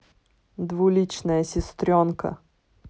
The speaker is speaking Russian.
двуличная сестренка